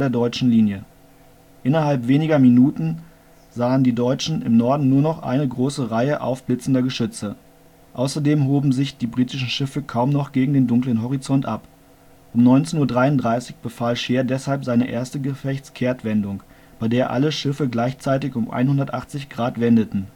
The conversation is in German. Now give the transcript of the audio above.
deutschen Linie. Innerhalb weniger Minuten sahen die deutschen im Norden nur noch eine große Reihe aufblitzender Geschütze. Außerdem hoben sich die britischen Schiffe kaum noch gegen den dunklen Horizont ab. Um 19:33 Uhr befahl Scheer deshalb seine erste Gefechtskehrtwendung, bei der alle Schiffe gleichzeitig um 180° wendeten